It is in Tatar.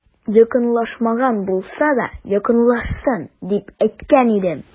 Якынлашмаган булса да, якынлашсын, дип әйткән идем.